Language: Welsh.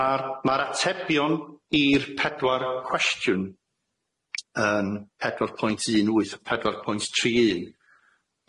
Ma'r ma'r atebion i'r pedwar cwestiwn, yn pedwar pwynt un wyth pedwar pwynt tri un,